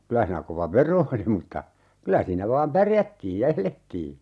kyllä siinä kova vero oli mutta kyllä siinä vain pärjättiin ja elettiin